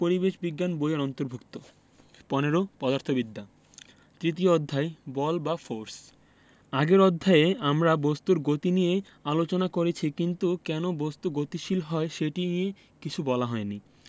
১৫ পদার্থবিদ্যা তৃতীয় অধ্যায় বল বা ফোরস আগের অধ্যায়ে আমরা বস্তুর গতি নিয়ে আলোচনা করেছি কিন্তু কেন বস্তু গতিশীল হয় সেটি কিছু বলা হয়নি